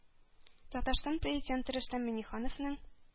Татарстан Президенты Рөстәм Миңнехановның